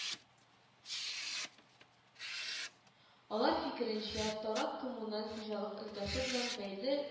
Алар фикеренчә, торак-коммуналь хуҗалык өлкәсе белән бәйле